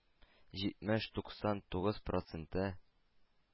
Җитмеш-туксан тугыз проценты